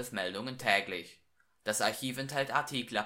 Meldungen täglich. Das Archiv enthält Artikel